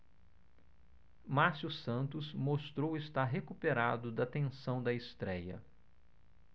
márcio santos mostrou estar recuperado da tensão da estréia